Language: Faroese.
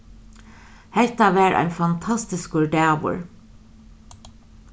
hetta var ein fantastiskur dagur